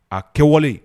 A kɛwale